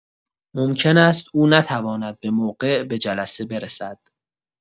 ممکن است او نتواند به‌موقع به جلسه برسد.